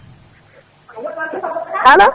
alo